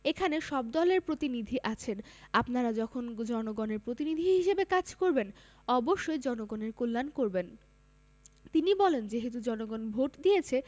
এখানে সব দলের প্রতিনিধি আছেন আপনারা যখন জনগণের প্রতিনিধি হিসেবে কাজ করবেন অবশ্যই জনগণের কল্যাণ করবেন তিনি বলেন যেহেতু জনগণ ভোট দিয়েছে